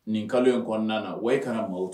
Nin kalo in kɔnɔna na o ye ka maaw